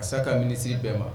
A sa ka minisiri bɛɛ ma